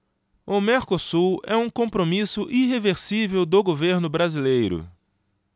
o mercosul é um compromisso irreversível do governo brasileiro